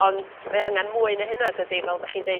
Ond mae angan mwy na hynna dydi fel 'dach chi...